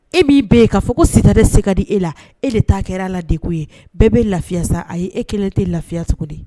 E mini bɛ yen k'a fɔ ko sitanɛ se ka di e la degun ye , bɛɛ bɛ lafiya sa, ayi, e kelen tɛ lafiyaso tuguni